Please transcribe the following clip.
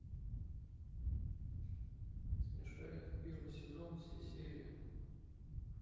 смешарики первый сезон все серии